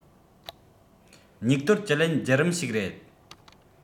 སྙིགས དོར བཅུད ལེན བརྒྱུད རིམ ཞིག རེད